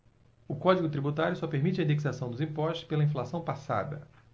o código tributário só permite a indexação dos impostos pela inflação passada